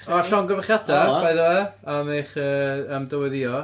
A llongyfarchiadau by the way, am eich yy… am dyweddio.